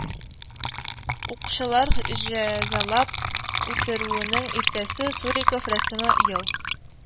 Укчылар җәзалап үтерүенең иртәсе, Суриков рәсеме, ел